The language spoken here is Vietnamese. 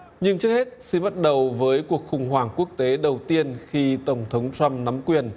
nhưng trước hết xin bắt đầu với cuộc khủng hoảng quốc tế đầu tiên khi tổng thống trăm nắm quyền